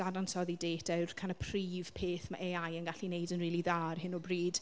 Dadansoddi data yw'r kind of prif peth ma' AI yn gallu neud yn really dda ar hyn o bryd.